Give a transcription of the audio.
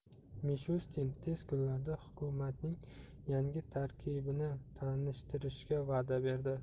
mishustin tez kunlarda hukumatning yangi tarkibini tanishtirishga va'da berdi